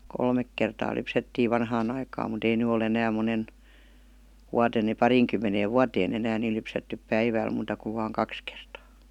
kolme kertaa lypsettiin vanhaan aikaan mutta ei nyt ole enää monen vuotena niin pariinkymmeneen vuoteen enää niin lypsetty päivällä muuta kuin vain kaksi kertaa